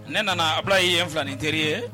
Ne nana a bala e' ye filanin teri ye